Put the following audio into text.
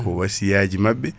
ko wasssiyaji mabɓe